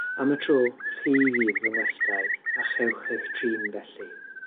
Am y tro chi fydd fy ngwestai a chewch eich trin felly.